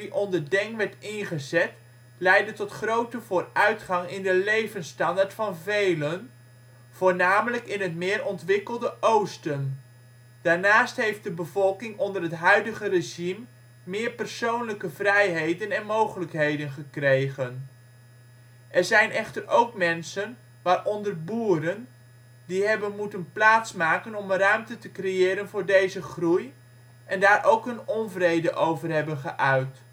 onder Deng werd ingezet leidde tot grote vooruitgang in de levensstandaard van velen, voornamelijk in het meer ontwikkelde oosten. Daarnaast heeft de bevolking onder het huidige regime meer persoonlijke vrijheden en mogelijkheden gekregen. Er zijn echter ook mensen, waaronder boeren, die hebben moeten plaatsmaken om ruimte te creëren voor deze groei en daar ook hun onvrede over hebben geuit